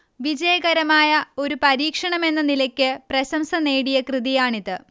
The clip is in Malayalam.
വിജയകരമായ ഒരു പരീക്ഷണമെന്ന നിലയ്ക്ക് പ്രശംസ നേടിയ കൃതിയാണിത്